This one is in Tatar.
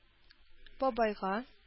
Бабайга